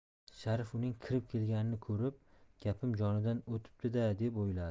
sharif uning kirib kelganini ko'rib gapim jonidan o'tibdi da deb o'yladi